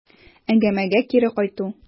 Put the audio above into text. Әңгәмәгә кире кайту.